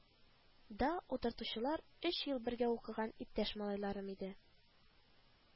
Да утыручылар өч ел бергә укыган иптәш малайларым иде